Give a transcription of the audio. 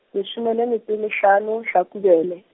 leshome le metso e mehlano, Hlakubele.